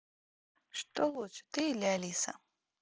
что лучше ты или алиса